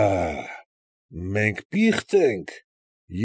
Աա՛, մենք պի՞ղծ ենք։